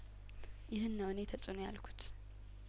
ይህን ነው እኔ ተጽእኖ ያልኩት